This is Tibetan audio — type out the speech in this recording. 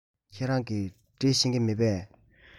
ཁྱེད རང གིས འབྲི ཤེས ཀྱི མེད པས